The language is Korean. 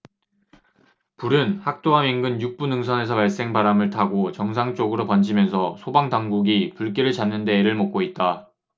불은 학도암 인근 육 부 능선에서 발생 바람을 타고 정상 쪽으로 번지면서 소방당국이 불길을 잡는 데 애를 먹고 있다